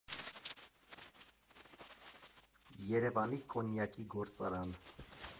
Երևանի կոնյակի գործարան։